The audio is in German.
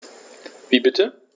Wie bitte?